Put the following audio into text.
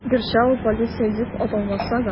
Гәрчә ул полиция дип аталмаса да.